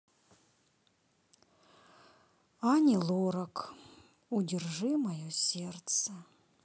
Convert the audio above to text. ани лорак удержи мое сердце